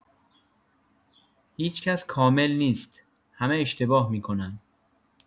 هیچ‌کس کامل نیست همه اشتباه می‌کنن